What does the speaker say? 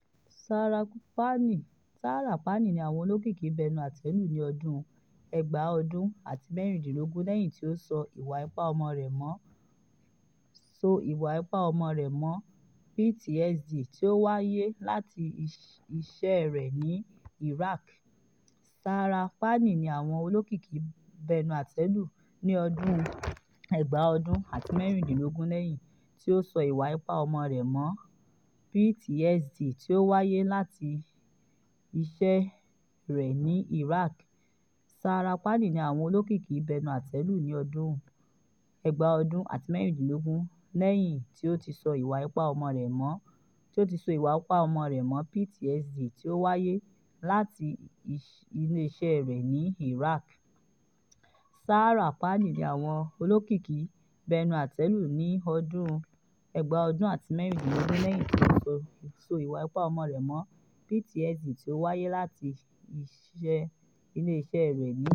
Sarah Palin ní àwọn olókìkí bẹnu àtẹ́ lu ní ọdún 2016 lẹyìn tí ó sọ ìwà-ìpá ọmọ rẹ̀ mọ PTSD tí ó wáyé láti iṣẹ rẹ̀ ní Iraq.